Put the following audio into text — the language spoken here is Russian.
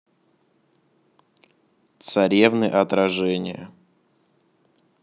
царевны отражение